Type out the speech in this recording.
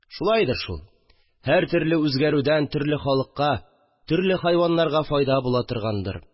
Шулайдыр шул, һәртөрле үзгәрүдән төрле халыкка, төрле хайваннарга файда була торгандыр